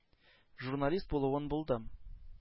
Журналист булуын булдым,